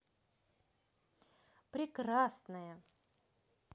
прекрасная